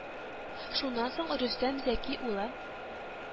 Шуннан соң Рөстәм Зәки улы